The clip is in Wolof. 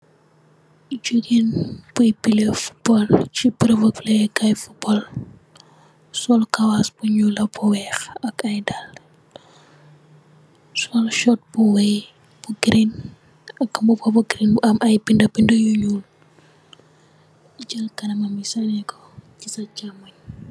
Gigain bui play football cii beureubu play yeh kaii football, sol kawass bu njull ak bu wekh ak aiiy daalah, sol short bu wekh, bu green ak koboh koboh bu green bu am aiiy binda binda yu njull, mu jel kanamam bi saandi kor cii sa chaamongh.